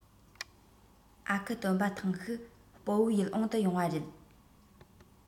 ཨ ཁུ སྟོན པ ཐེངས ཤིག སྤོ བོ ཡིད འོང དུ ཡོང བ རེད